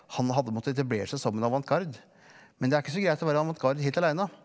han hadde måttet etablert seg som en avantgarde, men det er ikke så greit å være avantgarde helt aleine.